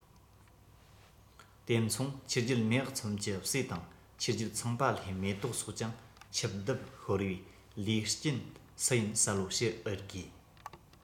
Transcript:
དེ མཚུངས ཆོས རྒྱལ མེས ཨག ཚོམ གྱི སྲས དང ཆོས རྒྱལ ཚངས པ ལྷའི མེ ཏོག སོགས ཀྱང ཆིབས བརྡབས ཤོར བའི ལན རྐྱེན སུ ཡིན གསལ པོ ཞུ ཨེ དགོས